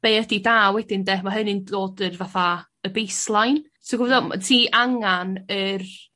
be' ydi da wedyn 'de ma' hynny'n dod yr fatha y baseline so ti angan yr